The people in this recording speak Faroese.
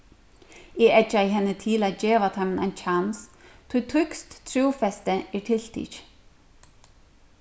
eg eggjaði henni til at geva teimum ein kjans tí týskt trúfesti er tiltikið